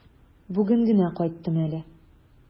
Бүген генә кайттым әле.